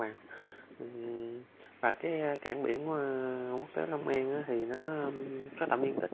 cảng biển quốc tế long an thì nó có bao nhiêu